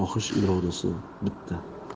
orzusi xohish irodasi bitta